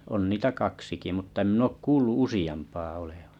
on niitä kaksikin mutta en minä ole kuullut useampaa olevan